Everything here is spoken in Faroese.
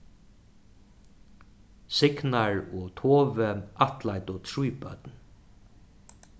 signar og tove ættleiddu trý børn